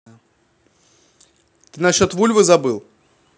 ты насчет вульвы забыл